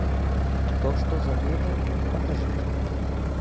то что закрыто покажите